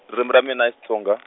ririmi ra mina i Xitsonga.